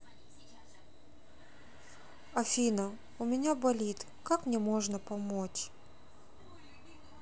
афина у меня болит как мне можно помочь